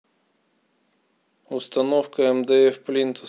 установка мдф плинтуса